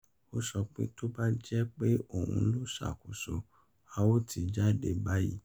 Ó sọ pé, tó bá jẹ́ pé òun ló ṣàkóso, a o ti jáde báyìí.